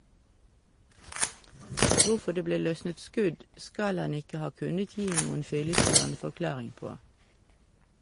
Hvorfor det ble løsnet skudd skal han ikke ha kunnet gi noen fyllestgjørende forklaring på.